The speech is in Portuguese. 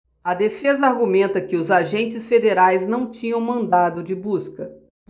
a defesa argumenta que os agentes federais não tinham mandado de busca